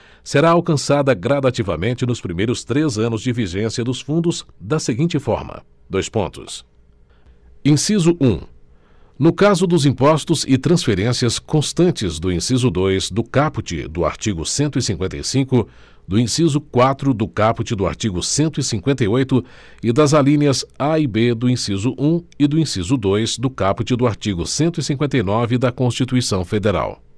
será alcançada gradativamente nos primeiros três três anos de vigência dos fundos da seguinte forma dois pontos inciso um no caso dos impostos e transferências constantes do inciso dois do caput do artigo cento e cinquenta e cinco do inciso quatro do caput do artigo cento e cinquenta e oito e das alíneas a e b do inciso um e do inciso dois do caput do artigo cento e cinquenta e nove da constituição federal